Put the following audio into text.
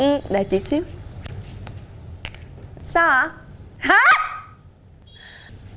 ư đợi chị xíu sao ạ há